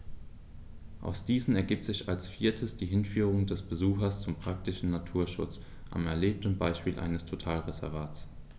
Aus diesen ergibt sich als viertes die Hinführung des Besuchers zum praktischen Naturschutz am erlebten Beispiel eines Totalreservats.